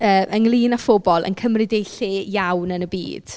Uy ynglŷn â phobl yn cymryd eu lle iawn yn y byd.